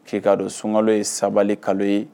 F'i k'a don sunkalo ye sabali kalo ye